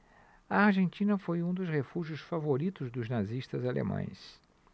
a argentina foi um dos refúgios favoritos dos nazistas alemães